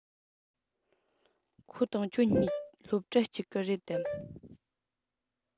ཁོ དང ཁྱོད གཉིས སློབ གྲྭ གཅིག གི རེད དམ